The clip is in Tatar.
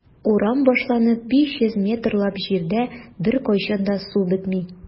Урам башланып 500 метрлап җирдә беркайчан да су бетми.